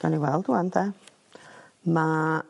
'dan ni weld ŵan 'de. Ma'